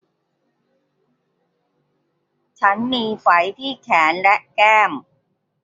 ฉันมีไฝที่แขนและแก้ม